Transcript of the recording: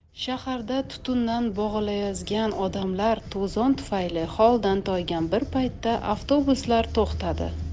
shaharda tutundan bo'g'ilayozgan odamlar to'zon tufayli holdan toygan bir paytda avtobuslar to'xtadi